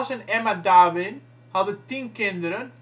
en Emma Darwin hadden tien kinderen